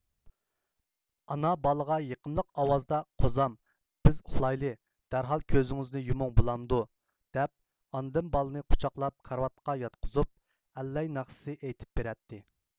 ئانا بالىغا يېقىملىق ئاۋازدا قوزام بىز ئۇخلايلى دەرھال كۆزىڭىزنى يۇمۇڭ بولامدۇ دەپ ئاندىن بالىنى قۇچاقلاپ كارىۋاتقا ياتقۇزۇپ ئەللەي ناخشىسى ئېيتىپ بېرەتتى